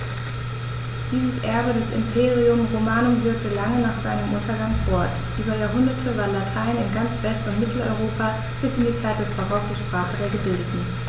Dieses Erbe des Imperium Romanum wirkte lange nach seinem Untergang fort: Über Jahrhunderte war Latein in ganz West- und Mitteleuropa bis in die Zeit des Barock die Sprache der Gebildeten.